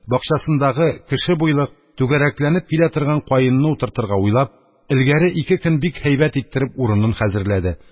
Бакчасындагы кеше буйлык, түгәрәкләнеп килә торган каенны утыртырга уйлап, элгәре ике көн бик һәйбәт иттереп урын хәзерләде.